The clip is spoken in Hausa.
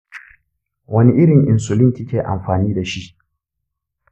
wani irin insulin kike amfani dashi?